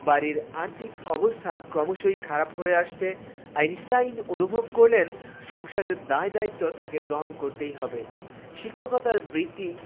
বাড়ির আর্থিক অবস্থা ক্রমশই খারাপ হয়ে আসছে আইনস্টাইন অনুভব করলেন সংসারের দায়-দায়িত্ব তাকে গ্রহণ করতেই হবে শিক্ষকতার বৃত্তি